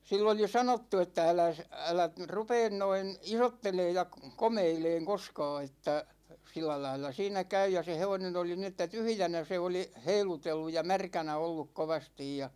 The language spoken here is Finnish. sille oli sanottu että äläs älä nyt rupea noin isottelemaan ja komeilemaan koskaan että sillä lailla siinä käy ja se hevonen oli niin että tyhjänä se oli heilutellut ja märkänä ollut kovasti ja